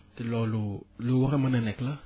te loolu lu war a mën a nekk la